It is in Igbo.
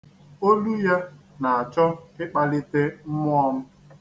Olu ya na-achọ ịkpalite mmụọ m.